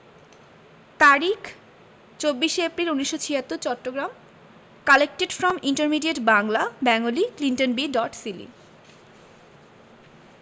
তারিখ ২৪শে April ১৯৭৬ Chattogram collected from intermediate Bangla Bengali Clinton B dot Seely